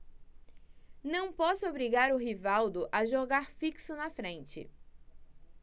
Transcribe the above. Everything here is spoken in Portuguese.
não posso obrigar o rivaldo a jogar fixo na frente